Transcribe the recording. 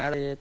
ta